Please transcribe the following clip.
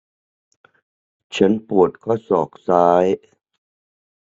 ฉันปวดข้อศอกซ้าย